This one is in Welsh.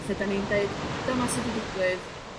Lle 'dan ni'n deud dyma sy 'di digwydd